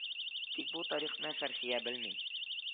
Тик бу тарихны Фәрхия белми